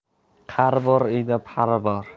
qari bor uyda pari bor